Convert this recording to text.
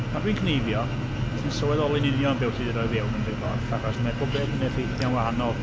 Pan dwi'n cneifio, ti'n sylweddoli'n union beth wyt ti 'di rhoi i fewn yn dy gorff achos mae pob peth yn effeithio'n wahanol.